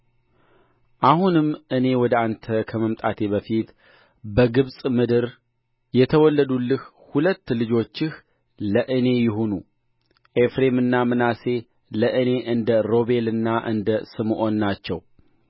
አሁንም እኔ ወደ አንተ ከመምጣቴ በፊት በግብፅ ምድር የተወለዱልህ ሁለቱ ልጆችህ ለእኔ ይሁኑ ኤፍሬምና ምናሴ ለእኔ እንደ ሮቤልና እንደ ስምዖን ናቸው